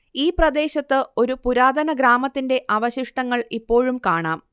ഈ പ്രദേശത്ത് ഒരു പുരാതന ഗ്രാമത്തിന്റെ അവശിഷ്ടങ്ങൾ ഇപ്പോഴും കാണാം